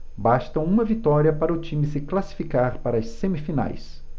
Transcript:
basta uma vitória para o time se classificar para as semifinais